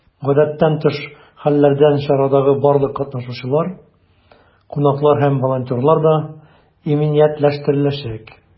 Гадәттән тыш хәлләрдән чарадагы барлык катнашучылар, кунаклар һәм волонтерлар да иминиятләштереләчәк.